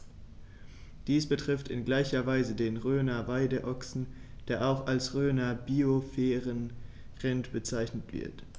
Dies betrifft in gleicher Weise den Rhöner Weideochsen, der auch als Rhöner Biosphärenrind bezeichnet wird.